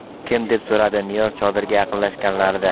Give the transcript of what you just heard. kim deb so'radi niyoz chodirga yaqinlashganlarida